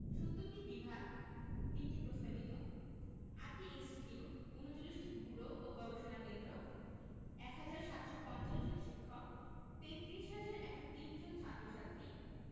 ৭০টি বিভাগ ৩টি প্রস্তাবিত ৮টি ইনস্টিটিউট ৩৯টি ব্যুরো ও গবেষণা কেন্দ্র ১ হাজার ৭৫০ জন শিক্ষক ৩৩ হাজার ১০৩ জন ছাত্র ছাত্রী